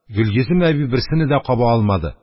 Гөлйөзем әби берсене дә каба алмады